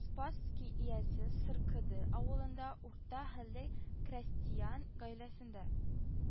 Спасский өязе Сыркыды авылында урта хәлле крәстиян гаиләсендә